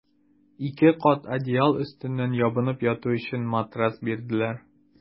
Ике кат одеял өстеннән ябынып яту өчен матрас бирделәр.